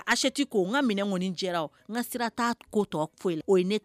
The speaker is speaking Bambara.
Achette koo ŋa minɛn ŋɔni jɛra o ŋa sirataa t ko tɔɔ foyila o ye ne